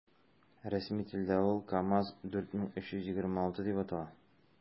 Рәсми телдә ул “КамАЗ- 4326” дип атала.